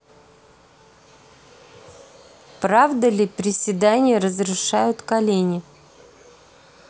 правда ли приседания разрушают колени